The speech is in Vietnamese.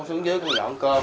xuống dưới con dọn cơm